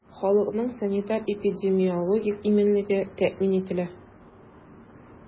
Халыкның санитар-эпидемиологик иминлеге тәэмин ителә.